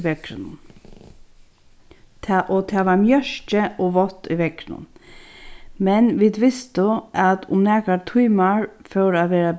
í veðrinum tað og tað var mjørki og vátt í veðrinum men vit vistu at um nakrar tímar fór at verða